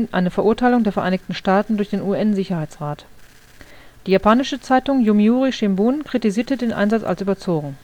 eine Verurteilung der Vereinigten Staaten durch den UN-Sicherheitsrat. Die japanische Zeitung Yomiuri Shimbun kritisierte den Einsatz als überzogen